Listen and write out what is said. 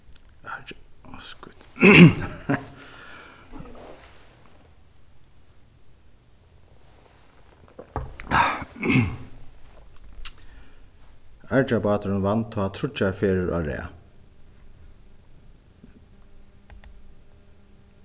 argjabáturin vann tá tríggjar ferðir á rað